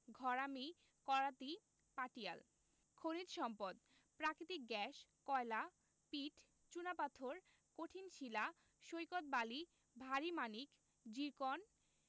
ঘরামি করাতি পাটিয়াল খনিজ সম্পদঃ প্রাকৃতিক গ্যাস কয়লা পিট চুনাপাথর কঠিন শিলা সৈকত বালি ভারি মণিক জিরকন